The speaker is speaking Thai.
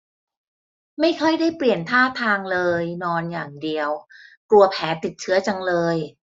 ไม่ค่อยได้เปลี่ยนท่าทางเลยนอนอย่างเดียวกลัวแผลติดเชื้อจังเลย